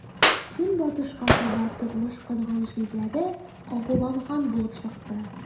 Көнбатышка таба тормыш корган җирләре агуланган булып чыккан.